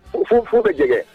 U fo bɛ jɛgɛ